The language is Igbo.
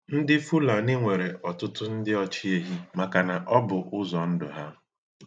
Ndị Fulani nwere ọtụtụ ndị ọchịehi maka na ọ bụ ụzọ ndụ ha.